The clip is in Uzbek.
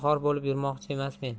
xor bo'lib yurmoqchi emasmen